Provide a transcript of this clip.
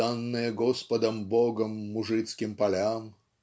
данное Господом Богом мужицким полям"